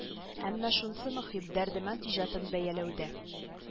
Әмма шунысы мөһим дәрдемәнд иҗатын бәяләүдә